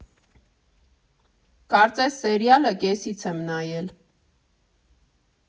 Կարծես սերիալը կեսից եմ նայել։